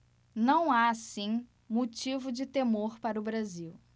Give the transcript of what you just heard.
não há assim motivo de temor para o brasil